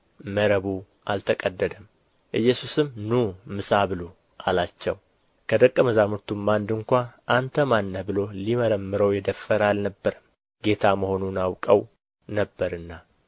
መረቡ አልተቀደደም ኢየሱስም ኑ ምሳ ብሉ አላቸው ከደቀ መዛሙርቱ አንድ ስንኳ አንተ ማን ነህ ብሎ ሊመረምረው የደፈረ አልነበረም ጌታ መሆኑን አውቀው ነበርና